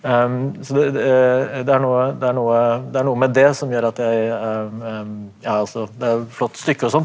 så det er noe det er noe det er noe med det som gjør at jeg ja altså det er flott stykke og sånt.